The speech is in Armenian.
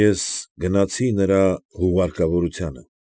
Ես գնացի նրա հուղարկավորությանը։